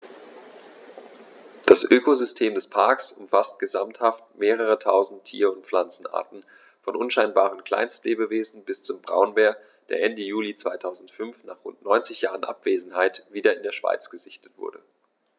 Das Ökosystem des Parks umfasst gesamthaft mehrere tausend Tier- und Pflanzenarten, von unscheinbaren Kleinstlebewesen bis zum Braunbär, der Ende Juli 2005, nach rund 90 Jahren Abwesenheit, wieder in der Schweiz gesichtet wurde.